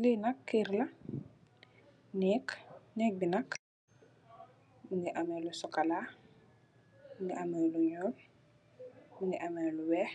Lii nak kerr la, nehgg, nehgg bii nak mungy ameh lu chocolat, mungy ameh lu njull, mungy ameh lu wekh,